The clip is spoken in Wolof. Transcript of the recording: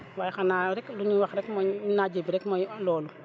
waaye xanaa rek lu ñuy wax rek mooy naaje bi rek mooy loolu